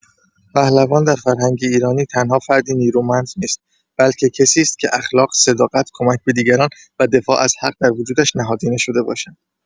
پهلوان در فرهنگ ایرانی تنها فردی نیرومند نیست، بلکه کسی است که اخلاق، صداقت، کمک به دیگران و دفاع از حق در وجودش نهادینه شده باشد.